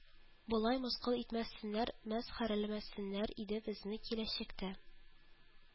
Болай мыскыл итмәсеннәр, мәс хәрәләмәсеннәр иде безне киләчәктә